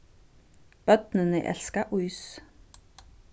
børnini elska ís